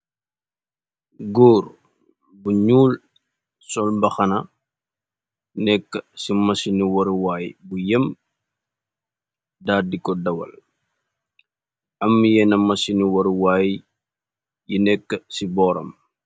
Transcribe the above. Góore bu ñuul sol mbaxana nekk ci masinu waruwaay bu yem dardi ko dawal am yena masinu waruwaay yi nekk ci booram.